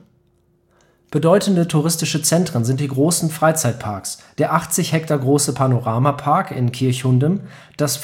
Bedeutende touristische Zentren sind die großen Freizeitparks, der 80 ha große Panorama-Park in Kirchhundem, das